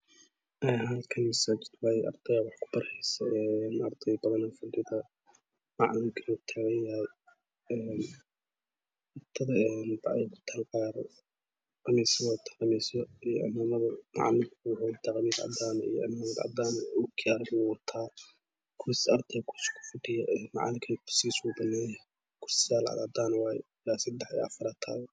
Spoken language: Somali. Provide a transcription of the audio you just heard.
Halkan masaa jid waye ardeybaa wax ku baraneeso ardey badanaa fadhido macilinka wu tagan yahy aradey pacbey ku taab qamiisyii wataan maclinka waxauu wataa qamiis cadana ah iyo cimamad cadaanaa ah ookiyaalana wu wataa ardey kursi ku fadhiyo maclinkuu kurisiga ubaneeyay kursiyal cad cadan wayee ilaa sadax ila afar baatalo